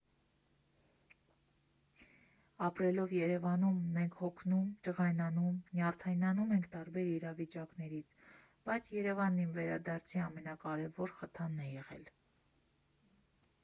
Ապրելով Երևանում՝ մենք հոգնում, ջղայնանում, նյարդայնանում ենք տարբեր իրավիճակներից, բայց Երևանն իմ վերադարձի ամենակարևոր խթանն է եղել։